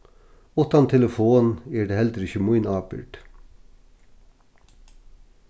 uttan telefon er tað heldur ikki mín ábyrgd